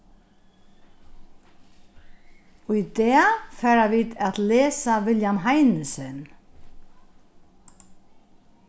í dag fara vit at lesa william heinesen